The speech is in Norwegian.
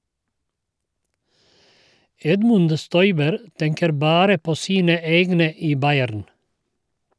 Edmund Stoiber tenker bare på sine egne i Bayern.